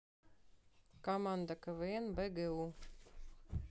команда квн бгу